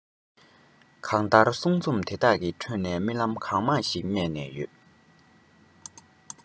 གང ལྟར གསུང རྩོམ འདི དག གི ཁྲོད ནས རྨི ལམ གང མང ཞིག རྨས ནས ཡོང